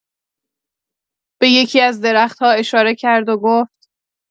به یکی‌از درخت‌ها اشاره کرد و گفت: